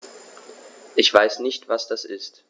Ich weiß nicht, was das ist.